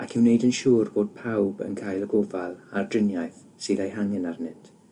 ac i wneud yn siŵr bod pawb yn cael y gofal a'r driniaeth sydd ei hangen arnynt